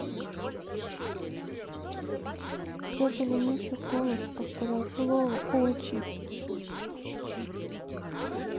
у тебя заленился голос повторял слово очень